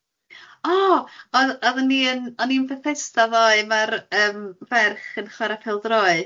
O oedd- oedden ni yn o'n ni'n Bethesda ddoe, ma'r yym ferch yn chwara pêl-droed.